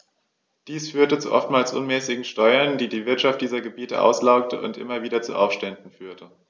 Dies führte zu oftmals unmäßigen Steuern, die die Wirtschaft dieser Gebiete auslaugte und immer wieder zu Aufständen führte.